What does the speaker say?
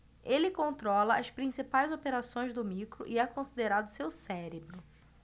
ele controla as principais operações do micro e é considerado seu cérebro